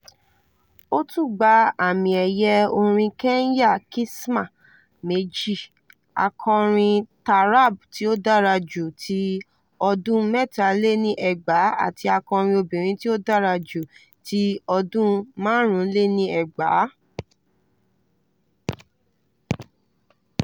Ó tún gba Àmì-ẹ̀yẹ Orin Kenya Kisima méjì: Akọrin Taraab tí ó Dára jú ti ọdún 2003 àti Akọrin Obìnrin tí ó Dára jú ti ọdún 2005.